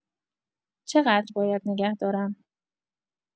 چه‌قدر باید نگه دارم؟